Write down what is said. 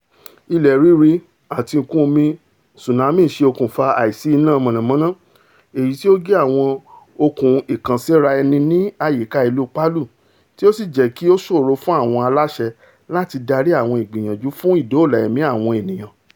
Ilẹ̀ rírì àti ìkún-omi tsunami ṣe okùnfà àìsí iná mànàmáná èyití ó gé àwọn okùn ìkànsí-ara-ẹni ní àyíká ìlú Palu tí ó sì jẹ́kí ó ṣòro fun àwọn aláṣẹ làti darí àwọn igbiyanju fún ìdóòlà-ẹ̀mí àwọn ènìyàn.